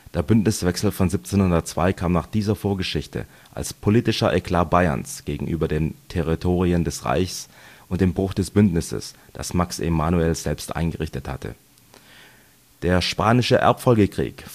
Der Bündniswechsel von 1702 kam nach dieser Vorgeschichte als politischer Eklat Bayerns gegenüber den Territorien des Reichs, und im Bruch des Bündnisses, das Max Emanuel selbst eingerichtet hatte. Der Spanische Erbfolgekrieg